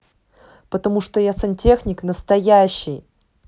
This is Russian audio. потому что я сантехник настоящий